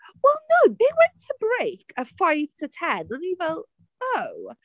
Wel na. They went to break a five to ten. O'n ni fel "O!".